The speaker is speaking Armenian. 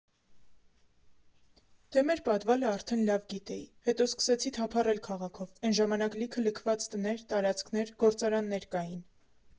Դե մեր պադվալը արդեն լավ գիտեի։ Հետո սկսեցի թափառել քաղաքով՝ էն ժամանակ լիքը լքված տներ, տարածքներ, գործարաններ կային։